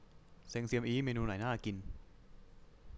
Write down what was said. เซงเซียมอี๊เมนูไหนน่ากิน